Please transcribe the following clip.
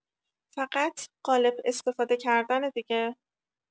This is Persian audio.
فقط قالب استفاده کردنه دیگه.